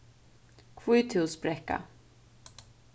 hvíthúsbrekka